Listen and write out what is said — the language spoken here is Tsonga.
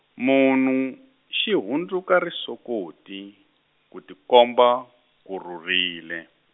munhu, xi hundzuka risokoti, ku tikomba, ku rhurile.